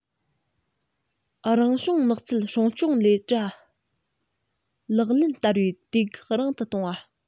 རང བྱུང ནགས ཚལ སྲུང སྐྱོང ལས གྲྭ ལག ལེན བསྟར བའི དུས བཀག རིང དུ གཏོང བ